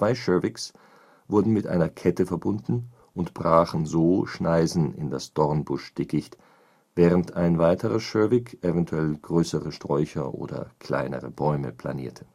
Shervicks wurden mit einer Kette verbunden und brachen so Schneisen in das Dronbuschdickicht, während ein weiterer Shervick evtl. größere Sträucher oder kleiner Bäume planierte